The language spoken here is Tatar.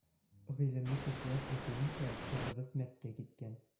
Гыйлемле кешеләр әйтүенчә, кызыбыз мәрткә киткән.